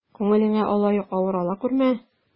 Күңелеңә алай ук авыр ала күрмә.